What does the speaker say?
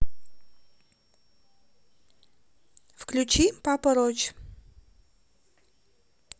включи папа роч